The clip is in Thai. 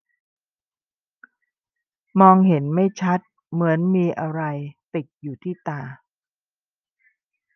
มองเห็นไม่ชัดเหมือนมีอะไรติดอยู่ที่ตา